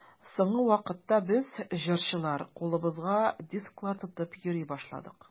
Соңгы вакытта без, җырчылар, кулыбызга дисклар тотып йөри башладык.